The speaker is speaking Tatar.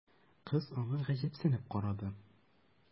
Кыз аңа гаҗәпсенеп карады.